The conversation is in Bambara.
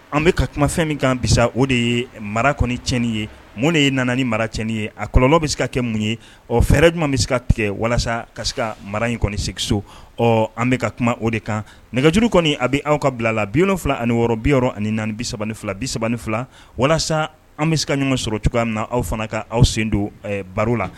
An bɛka ka kuma fɛn min kan bisa o de ye mara kɔnicin ye mun de ye na ni maraci ye a kɔlɔlɔ bɛ se ka kɛ mun ye ɔ fɛɛrɛ jumɛn bɛ se ka tigɛ walasa ka kasi ka mara in kɔniseso ɔ an bɛka ka kuma o de kan nɛgɛjuru kɔni a bɛ an ka bila la biyfila ani wɔɔrɔ biyɔrɔ ani bi3 fila bi3 fila walasa an bɛ se ka ɲuman sɔrɔ cogoya na aw fana ka aw sen don baro la